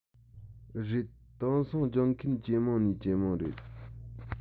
རེད དེང སང སྦྱོང མཁན ཇེ མང ནས ཇེ མང རེད